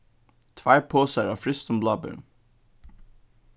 tveir posar av frystum bláberum